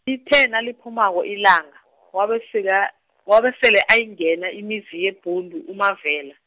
lithe naliphumako ilanga, wabeseka, wabesele ayingena imizi yeBhundu uMavela.